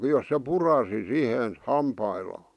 jos se puraisi siihen hampaillaan